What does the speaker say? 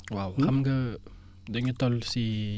waaw xam nga dañu toll si